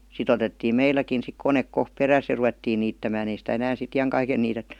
sitten otettiin meilläkin sitten kone kohta perässä ja ruvettiin niittämään ei sitä enää sitten iankaiken niitetty